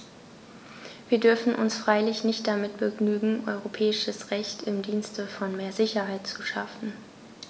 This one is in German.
Wir dürfen uns freilich nicht damit begnügen, europäisches Recht im Dienste von mehr Sicherheit zu schaffen.